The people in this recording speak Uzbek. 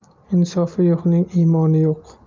insofi yo'qning imoni yo'q